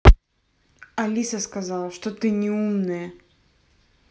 алиса сказала что ты не умная